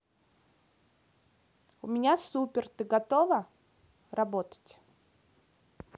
у меня супер ты готова работать